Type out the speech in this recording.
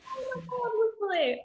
Oh my God lyfli.